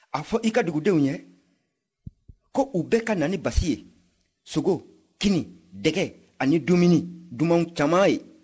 a fɔ i ka dugudenw ye ko u bɛɛ ka na ni basi ye sogo kini dɛgɛ ani dumuni duman caman ye